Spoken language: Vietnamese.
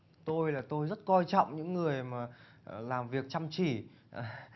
tôi là tôi rất coi trọng những người mà làm việc chăm chỉ